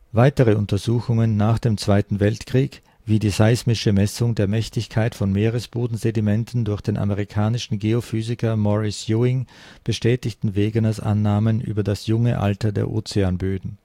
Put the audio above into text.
Weitere Untersuchungen nach dem Zweiten Weltkrieg, wie die seismische Messung der Mächtigkeit von Meeresbodensedimenten durch den amerikanischen Geophysiker Maurice Ewing, bestätigten Wegeners Annahmen über das junge Alter der Ozeanböden